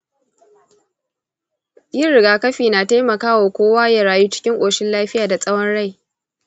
yin rigakafi na taimaka wa kowa ya rayu cikin koshin lafiya da tsawon rai.